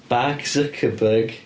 Bark Zuckerburg.